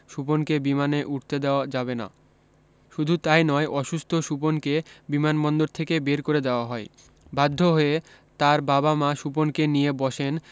সুপনকে বিমানে উঠতে দেওয়া যাবে না শুধু তাই নয় অসুস্থ সুপনকে বিমান বন্দর থেকে বের করে দেওয়া হয় বাধ্য হয়ে তার বাবা মা সুপনকে নিয়ে বসেন